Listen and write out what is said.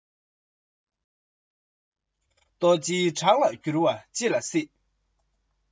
དམ ཚིག གཙང མའི མི ལ བློ གཏད བཅོལ